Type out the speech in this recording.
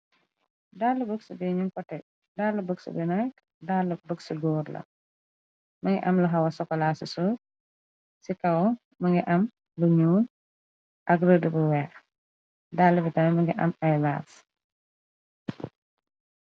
bëgs bu ñu pote dallu bëgs bu nakk g grmë ngi am lu xawa sokolaa ci su ci kaw më ngi am luñu ak rëdu bu weex dallu bi tam mëngi am ay baas